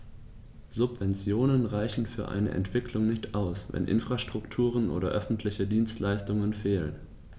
Subventionen reichen für eine Entwicklung nicht aus, wenn Infrastrukturen oder öffentliche Dienstleistungen fehlen.